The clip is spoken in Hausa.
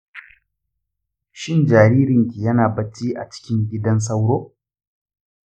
shin jaririnki yana bacci a cikin gidan sauro?